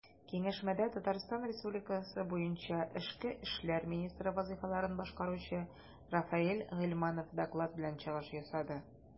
Киңәшмәдә ТР буенча эчке эшләр министры вазыйфаларын башкаручы Рафаэль Гыйльманов доклад белән чыгыш ясады.